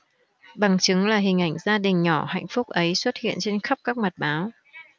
bằng chứng là hình ảnh gia đình nhỏ hạnh phúc ấy xuất hiện trên khắp các mặt báo